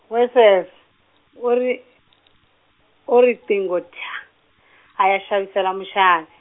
Wessels, o ri o riqingho thyaa , a ya xavisela muxavi.